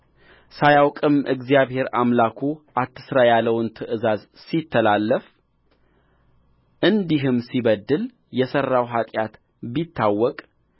ሳያውቅም እግዚአብሔር አምላኩ አትሥራ ያለውን ትእዛዝ ሲተላለፍ እንዲህም ሲበድልየሠራው ኃጢአት ቢታወቅ